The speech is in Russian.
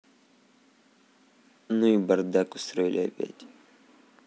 ну и бардак устроили опять